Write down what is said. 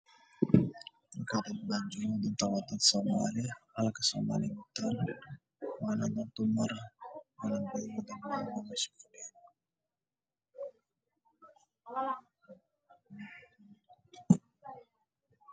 Meeshan waxa iga muuqda marwooto calanka soomaaliya